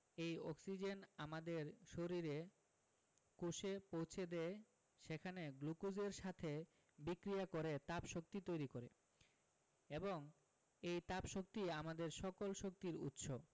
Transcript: এই অক্সিজেন আমাদের শরীরের কোষে পৌছে দেয় সেখানে গ্লুকোজের সাথে বিক্রিয়া করে তাপশক্তি তৈরি করে এবং এই তাপশক্তি আমাদের সকল শক্তির উৎস